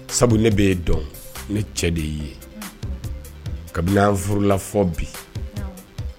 Sabu ne bɛ' dɔn ne cɛ de y'i ye kabini furulafɔ bi